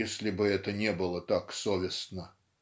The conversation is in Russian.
если бы это не было так совестно.